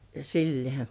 sillä lailla